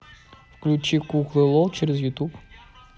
включи куклы лол через ютуб